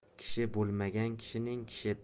kishi bo'lmagan kishining kishi